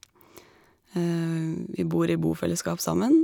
Vi bor i bofellesskap sammen.